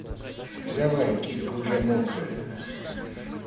давай киска уже мокрая